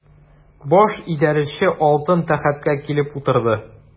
Баш идарәче алтын тәхеткә килеп утырды.